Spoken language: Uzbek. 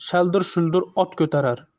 shaldir shuldir ot ko'tarar